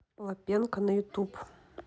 лапенко на ютьюб